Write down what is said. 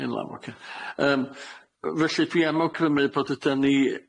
Hen law, ocê. Yym felly dwi am awgrymu bod ydan ni